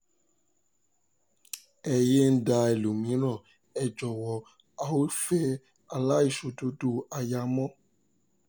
“Ẹ yé é da ẹlòmíràn, ẹ jọ̀wọ́ a ò fẹ́ aláìṣòdodo aya mọ́.